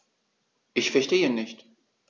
Ich verstehe nicht.